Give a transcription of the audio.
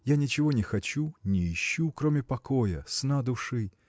Я ничего не хочу, не ищу, кроме покоя, сна души.